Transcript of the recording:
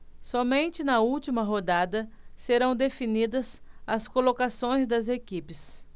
somente na última rodada serão definidas as colocações das equipes